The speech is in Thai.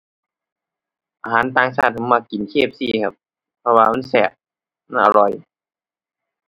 อาหารต่างชาติผมมักกิน KFC ครับ เพราะว่ามันแซ่บ มันอร่อย